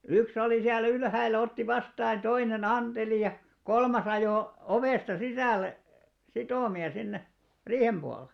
yksi oli siellä ylhäällä otti vastaan ja toinen anteli ja kolmas ajoi ovesta sisälle sitomia sinne riihen puolelle